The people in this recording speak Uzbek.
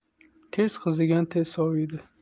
tez qizigan tez soviydi